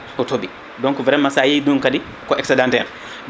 ko tooɓi donc vraiment sa yii ɗum kadi ko excédentaire